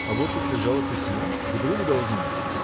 – А вот тут лежало письмо, к другу, должно быть.